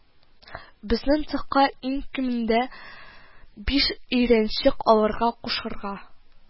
Безнең цехка иң кимендә биш өйрәнчек алырга кушарга